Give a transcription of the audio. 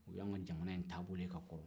o y'anw ka jamana in taabolo ye ka kɔrɔ